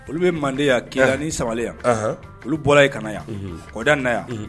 Olu ye mande yan kaya ni samale yan. Ahan. Olu bɔra yen ka na yan. Unhun. Kɔda nin na yan Unhun.